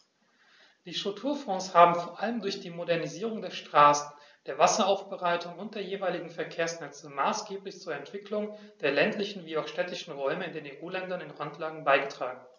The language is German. Die Strukturfonds haben vor allem durch die Modernisierung der Straßen, der Wasseraufbereitung und der jeweiligen Verkehrsnetze maßgeblich zur Entwicklung der ländlichen wie auch städtischen Räume in den EU-Ländern in Randlage beigetragen.